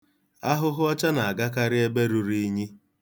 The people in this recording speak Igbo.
Ahụhụọcha na-agakarị ebe luru unyi.